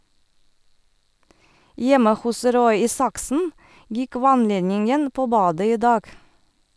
Hjemme hos Roy Isaksen gikk vannledningen på badet i dag.